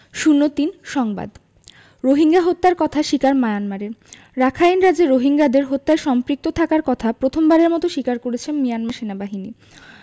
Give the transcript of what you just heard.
০৩ সংবাদ রোহিঙ্গা হত্যার কথা স্বীকার মিয়ানমারের রাখাইন রাজ্যে রোহিঙ্গাদের হত্যায় সম্পৃক্ত থাকার কথা প্রথমবারের মতো স্বীকার করেছে মিয়ানমার সেনাবাহিনী